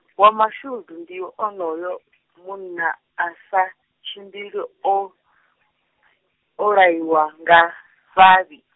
wa mashudu ndi onoyo, munna a sa, tshimbili o , o laiwa nga, vhavhi.